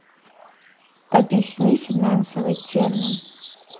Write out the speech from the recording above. объясни финансовый термин